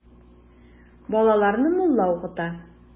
Балаларны мулла укыта.